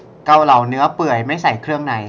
เกาเหลาเนื้อเปื่อยไม่ใส่เครื่องใน